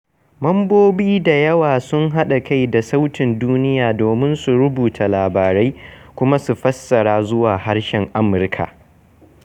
Mambobi da yawa sun haɗa kai da Sautin Duniya domin su rubuta labarai kuma su fassara zuwa harshen Amharic.